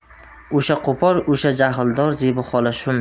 o'sha qo'pol o'sha jahldor zebi xolami shu